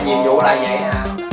vụ là vậy